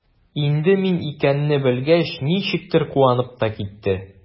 Инде мин икәнне белгәч, ничектер куанып та китте.